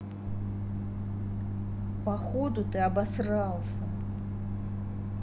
походу ты обосрался